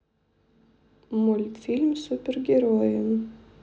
мультфильм супергерои